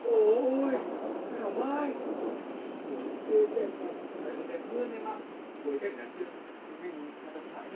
ồ ôi thảo mai ồi tên đẹp mà người còn đẹp hơn em ạ bối cảnh đằng kia chúng mình làm độc thoại nhá